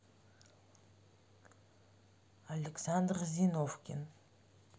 александр зиновкин